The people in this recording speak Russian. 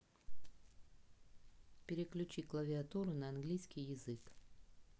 переключи клавиатуру на английский язык